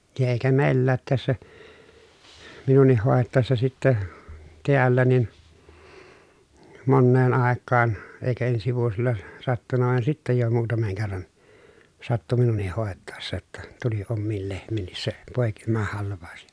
ja eikä meilläkään tässä minunkin hoitaessa sitten täällä niin moneen aikaan eikä ensi vuosilla sattunut vaan sitten jo muutaman kerran sattui minunkin hoitaessa jotta tuli omiin lehmiinkin se poikimahalvaus